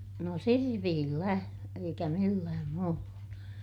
no sirpillä eikä millään muulla